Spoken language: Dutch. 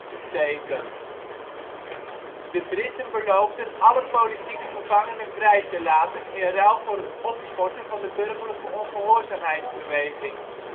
getekend. De Britten beloofden alle politieke gevangenen vrij te laten in ruil voor het opschorten van de burgerlijke ongehoorzaamheidsbeweging